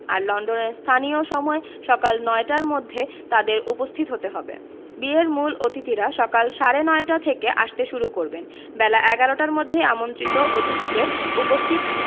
আর লন্ডনের স্থানীয় সময় সকাল নয়টার মধ্যে তাঁদের উপস্থিত হতে হবে বিয়ের মূল অতিথিরা সকাল সাড়ে নয়টা থেকে আসতে শুরু করবেন বেলা ১১টার মধ্যেই আমন্ত্রিত অতিথিদের উপস্থিত